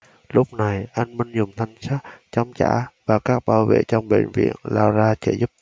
lúc này anh minh dùng thanh sắt chống trả và các bảo vệ trong bệnh viện lao ra trợ giúp